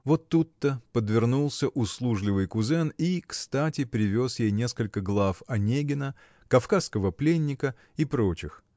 Вот тут-то подвернулся услужливый кузен и кстати привез ей несколько глав Онегина Кавказского пленника и проч.